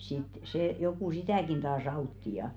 sitten se joku sitäkin taas auttoi ja